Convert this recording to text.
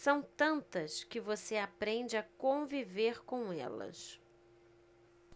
são tantas que você aprende a conviver com elas